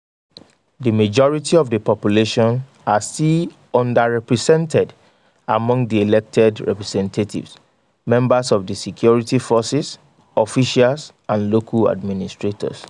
The majority of the population are still under-represented among the elected representatives, members of the security forces, officials and local administrators.